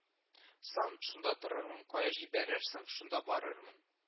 Саң, шунда торырмын, кая җибәрсәң, шунда барырмын